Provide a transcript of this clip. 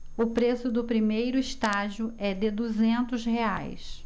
o preço do primeiro estágio é de duzentos reais